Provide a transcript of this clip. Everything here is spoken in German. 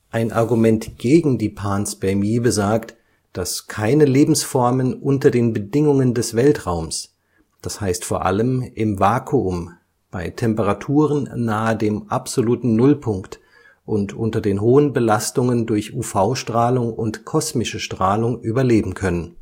Ein Argument gegen die Panspermie besagt, dass keine Lebensformen unter den Bedingungen des Weltraums, das heißt vor allem im Vakuum, bei Temperaturen nahe dem absoluten Nullpunkt und unter den hohen Belastungen durch UV-Strahlung und kosmische Strahlung, überleben können